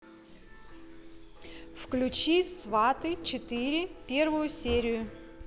включи сваты четыре первую серию